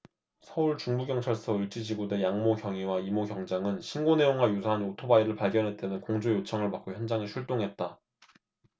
서울중부경찰서 을지지구대 양모 경위와 이모 경장은 신고 내용과 유사한 오토바이를 발견했다는 공조 요청을 받고 현장에 출동했다